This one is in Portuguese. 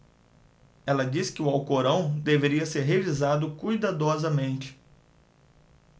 ela disse que o alcorão deveria ser revisado cuidadosamente